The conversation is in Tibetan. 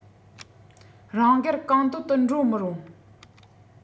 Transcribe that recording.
རང དགར གང འདོད དུ འགྲོ མི རུང